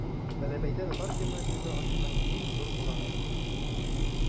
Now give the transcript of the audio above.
Бәләбәйдә татар гимназиясе ачуны иң зур казаныш дип атады ул.